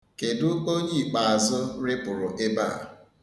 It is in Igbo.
Kedụ onye ikpeazu rịpụrụ ebe a?